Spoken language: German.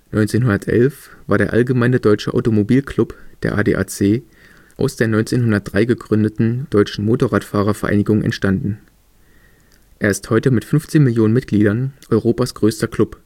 1911 war der Allgemeine Deutsche Automobil-Club, der ADAC, aus der 1903 gegründeten Deutschen Motorradfahrer-Vereinigung entstanden. Er ist heute mit 15 Millionen Mitgliedern Europas größter Club